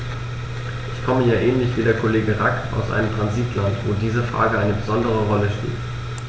Ich komme ja ähnlich wie der Kollege Rack aus einem Transitland, wo diese Frage eine besondere Rolle spielt.